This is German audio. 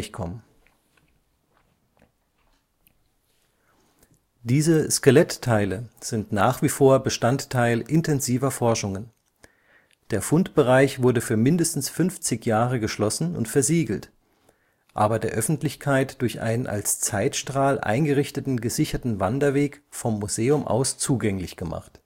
kommen. Diese Skelettteile sind nach wie vor Bestandteil intensiver Forschungen. Der Fundbereich wurde für mindestens 50 Jahre geschlossen und versiegelt, aber der Öffentlichkeit durch einen als Zeitstrahl eingerichteten gesicherten Wanderweg vom Museum aus zugänglich gemacht